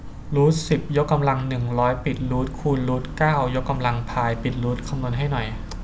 รูทสิบยกกำลังหนึ่งร้อยปิดรูทคูณรูทเก้ายกกำลังพายปิดรูทคำนวณให้หน่อย